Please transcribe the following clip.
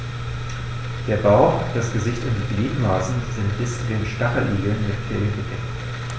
Der Bauch, das Gesicht und die Gliedmaßen sind bei den Stacheligeln mit Fell bedeckt.